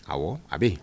Awɔ a be ye